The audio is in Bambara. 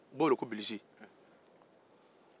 u b'o weele ko bilisi